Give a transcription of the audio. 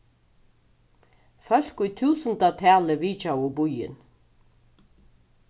fólk í túsundatali vitjaðu býin